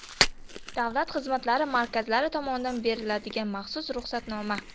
davlat xizmatlari markazlari tomonidan beriladigan maxsus ruxsatnoma